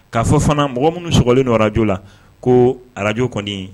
K'a fɔ fana mɔgɔ minnu sɔgɔlen don radio la ko radio kɔnni.